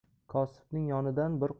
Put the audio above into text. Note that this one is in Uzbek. kosibning yonidan bir